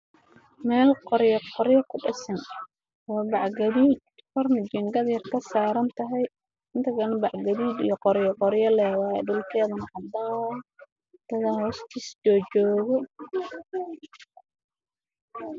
Waa meel qoryo ku dhisan